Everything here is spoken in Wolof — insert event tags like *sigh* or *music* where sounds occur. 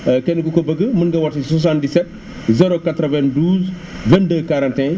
*hesitation* kenn ku ko bëgg mën nga woote si 77 *noise* 092 *noise* 22 41